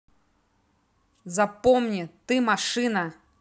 запомни ты машина